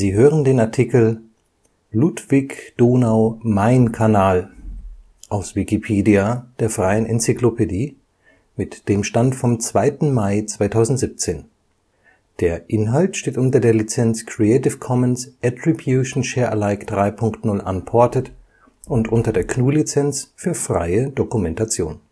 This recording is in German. hören den Artikel Ludwig-Donau-Main-Kanal, aus Wikipedia, der freien Enzyklopädie. Mit dem Stand vom Der Inhalt steht unter der Lizenz Creative Commons Attribution Share Alike 3 Punkt 0 Unported und unter der GNU Lizenz für freie Dokumentation